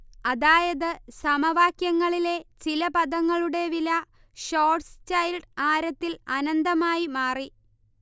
അതായത് സമവാക്യങ്ങളിലെ ചില പദങ്ങളുടെ വില ഷ്വാർസ്ചൈൽഡ് ആരത്തിൽ അനന്തമായി മാറി